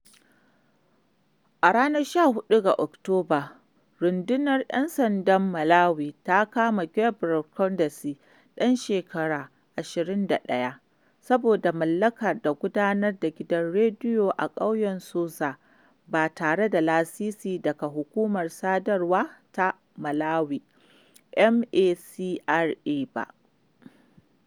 A ranar 14 ga Oktoba, Rundunar ‘Yan Sandan Malawi ta kama Gabriel Kondesi, ɗan shekara 21 saboda mallaka da gudanar da gidan rediyo a ƙauyen Soza ba tare da lasisi daga hukumar sadarwa ta Malawi (MACRA) ba.